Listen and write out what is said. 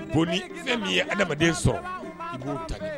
Ko ni fɛn min ye hadamaden sɔrɔ, i b'o ta ni